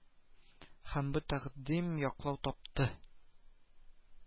Һәм бу тәкъдим яклау тапты